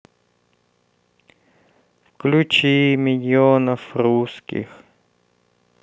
включи миньонов русских